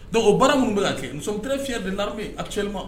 Don o baara minnu bɛ kɛ muso tɛre fi fiɲɛyɛn dedame a cɛlima